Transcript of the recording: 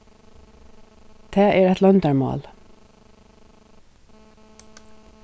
tað er eitt loyndarmál